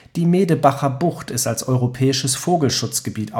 Die Medebacher Bucht ist als Europäisches Vogelschutzgebiet